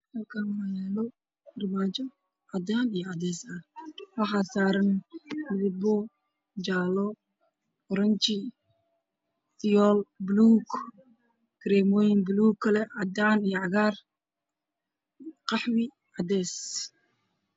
Halkan waxaa yaalo farmaajo cadaali cadaza waxaa saaran midabo jaalo orange iyo bilo